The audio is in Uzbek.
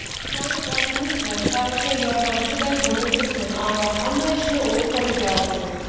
tiklanib olgunicha sharifga yordamchiday bo'lib tursin ammo hamma ishni o'z qo'liga olsin